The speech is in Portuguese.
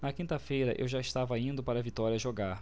na quinta-feira eu já estava indo para vitória jogar